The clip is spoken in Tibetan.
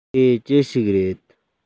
དེ ཅི ཞིག རེད